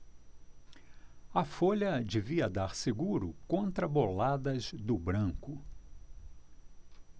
a folha devia dar seguro contra boladas do branco